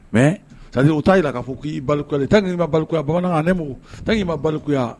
Mɛ sa u taa jira k'a k'i taa'i maya bamananmu taa k'i ma balikuya